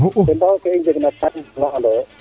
ten taxu ke i njeng na ka yoq na ando yo